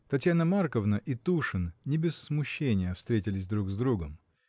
Татьяна Марковна и Тушин не без смущения встретились друг с другом.